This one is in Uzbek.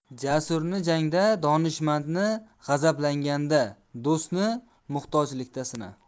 jasurni jangda donishmandni g'azablanganda do'stni muhtojlikda sina